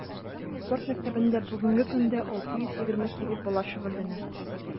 Спорт мәктәбендә бүгенге көндә 628 бала шөгыльләнә.